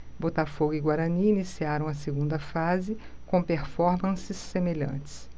botafogo e guarani iniciaram a segunda fase com performances semelhantes